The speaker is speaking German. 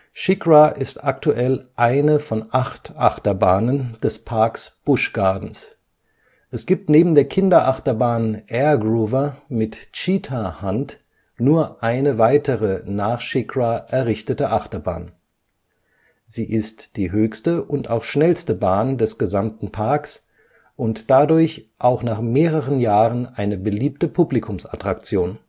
SheiKra ist aktuell eine von acht Achterbahnen des Parks Busch Gardens. Es gibt neben der Kinderachterbahn Air Grover mit Cheetah Hunt nur eine weitere nach SheiKra errichtete Achterbahn. Sie ist die höchste und auch schnellste Bahn des gesamten Parks und dadurch auch nach mehreren Jahren eine beliebte Publikumsattraktion